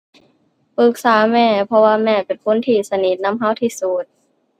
ปรึกษาแม่ เพราะว่าแม่เป็นคนที่สนิทนำเราที่สุด